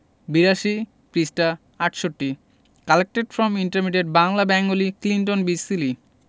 ৮২ পৃষ্ঠা ৬৮ collected from intermediate Bangla Bengali Clinton B Seely